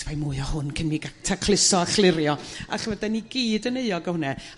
mai mwy o hwn cyn fi ga' tacluso a chlirio a ch'mod 'dyn ni gyd yn euog o hwnne.